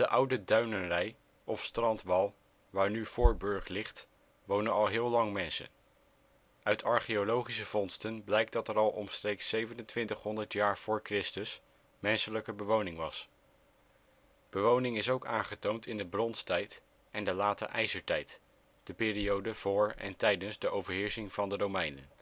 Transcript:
oude duinenrij of strandwal, waar nu Voorburg ligt, wonen al heel lang mensen. Uit archeologische vondsten blijkt dat er al omstreeks 2700 jaar voor Chr. menselijke bewoning was. Bewoning is ook aangetoond in de Bronstijd en de Late IJzertijd, de periode voor en tijdens de overheersing van de Romeinen